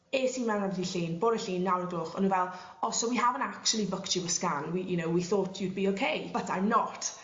es i mewn ar ddydd Llun bore Llun naw o'r gloch o'n n'w fel oh so we haven't actually booked you a scan we you know we thought you'd be ok. But I'm not.